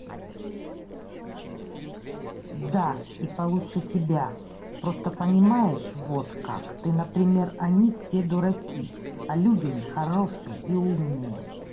да и получше тебя просто понимаешь вот как ты например они все дураки а люди они хорошие и умные